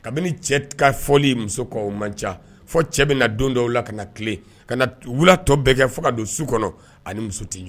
Kabini cɛ t ka fɔli muso kɔ o man can fɔ cɛ bɛna don dɔw la kana tilen ka t wula tɔ bɛ kɛ fo ka don su kɔnɔ ani muso tɛ ɲɔ